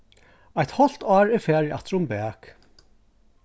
eitt hálvt ár er farið aftur um bak